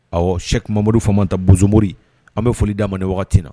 Awɔ Sɛki Mamadu Famanta bozo mori, an bɛ foli d'a ma nin wagati in na